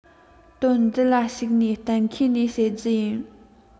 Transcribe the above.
དོན འདི ལ གཞིགས ནས གཏན འཁེལ ནས བཤད རྒྱུ ཡིན